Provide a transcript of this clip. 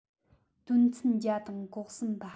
དོན ཚན བརྒྱ དང གོ གསུམ པ